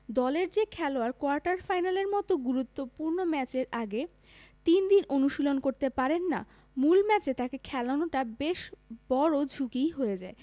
দলের যে খেলোয়াড় কোয়ার্টার ফাইনালের মতো গুরুত্বপূর্ণ ম্যাচের আগে তিন দিন অনুশীলন করতে পারেন না মূল ম্যাচে তাঁকে খেলানোটা বেশ বড় ঝুঁকিই হয়ে যায়